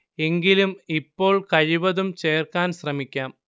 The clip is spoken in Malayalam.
എങ്കിലും ഇപ്പോൾ കഴിവതും ചേർക്കാൻ ശ്രമിക്കാം